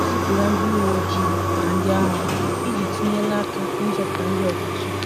Ezipụla ndị uwe ojii na ndị agha iji tinyela aka n'ịzọpụta ndị ọdachi.